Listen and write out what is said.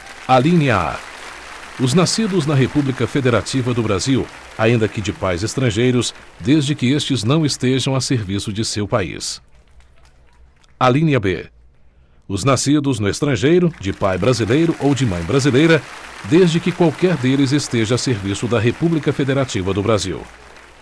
alínea a os nascidos na república federativa do brasil ainda que de pais estrangeiros desde que estes não estejam a serviço de seu país alínea b os nascidos no estrangeiro de pai brasileiro ou de mãe brasileira desde que qualquer deles esteja a serviço da república federativa do brasil